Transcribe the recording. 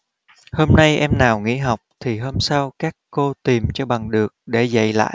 hôm nay em nào nghỉ học thì hôm sau các cô tìm cho bằng được để dạy lại